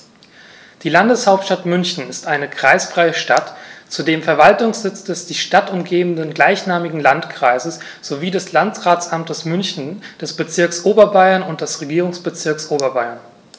Die Landeshauptstadt München ist eine kreisfreie Stadt, zudem Verwaltungssitz des die Stadt umgebenden gleichnamigen Landkreises sowie des Landratsamtes München, des Bezirks Oberbayern und des Regierungsbezirks Oberbayern.